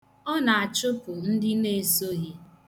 Ọ na-achụpụ ndị na esoghi.